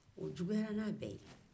o juguyara ni a bɛ ye